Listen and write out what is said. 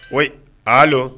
Ko h